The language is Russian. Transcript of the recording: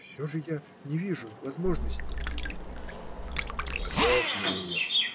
- Все же я не вижу возможности. Кладем мы ее,